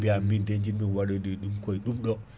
biya min de jinmi waɗoyde ɗum koye ɗum ɗo